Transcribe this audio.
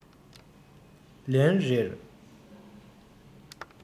ལན རེར